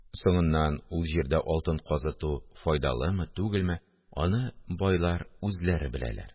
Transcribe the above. Соңыннан ул җирдә алтын казыту файдалымы-түгелме – аны байлар үзләре беләләр